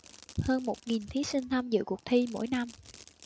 hơn một nghìn thí sinh tham dự cuộc thi mỗi năm